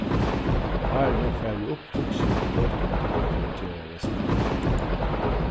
áðrenn eg fari upp hugsi eg eina løtu um tað eg fari at gera restina av degnum